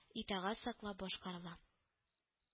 Итагать саклап башкарыла